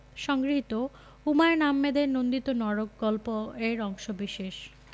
সংগৃহীত হুমায়ুন আহমেদের নন্দিত নরক গল্প এর অংশবিশেষ